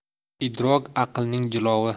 idrok aqlning jilovi